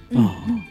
H